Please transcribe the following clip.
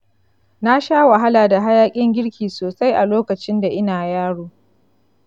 na sha wahala da hayakin girki sosai a lokacin da ina yaro.